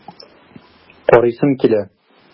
Карыйсым килә!